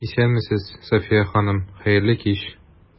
Исәнмесез, Сафия ханым, хәерле кич!